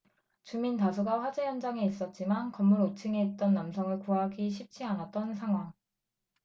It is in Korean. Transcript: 주민 다수가 화재 현장에 있었지만 건물 오 층에 있던 남성을 구하기 쉽지 않았던 상황